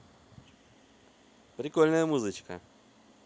прикольная музычка